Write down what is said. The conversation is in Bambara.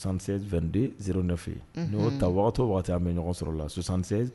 76 22 09 ye, unhun, n y'o ta waati o waati an bɛ ɲɔgɔn sɔrɔ o la 76